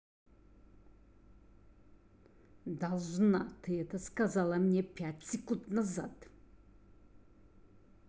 должна ты это сказала мне пять секунд назад